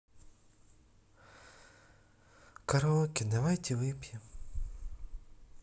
караоке давайте выпьем